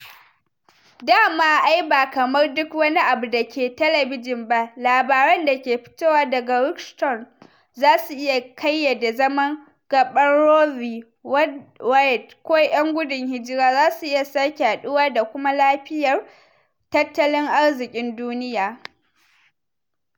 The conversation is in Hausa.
dama ai, ba kamar duk wani abu dake telebijin ba, labaran dake fitowa daga Washington zasu iya kayyade zaman gaban Roe v. Wade, ko ‘yan gudun hijira zasu iya sake haɗuwa da kuma lafiyar tattalin arzikin duniya.